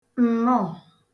ǹnọọ̀